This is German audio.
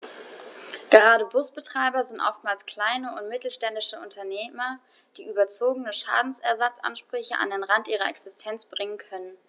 Gerade Busbetreiber sind oftmals kleine und mittelständische Unternehmer, die überzogene Schadensersatzansprüche an den Rand ihrer Existenz bringen können.